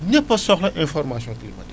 ñëpp a soxla information climatique